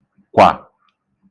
kwà